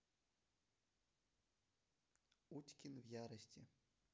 утькин в ярости